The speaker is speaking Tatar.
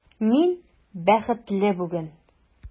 Мин бәхетле бүген!